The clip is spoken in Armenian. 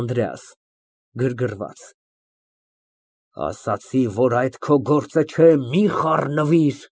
ԱՆԴՐԵԱՍ ֊ (Գրգռված) Ասացի, որ այդ քո գործը չէ, մի խառնվիր։